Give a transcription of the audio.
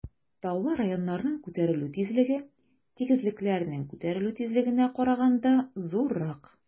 Таулы районнарның күтәрелү тизлеге тигезлекләрнең күтәрелү тизлегенә караганда зуррак.